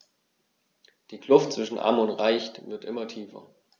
Die Kluft zwischen Arm und Reich wird immer tiefer.